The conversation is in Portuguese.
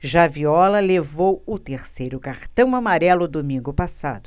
já viola levou o terceiro cartão amarelo domingo passado